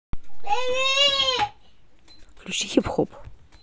включи хип хоп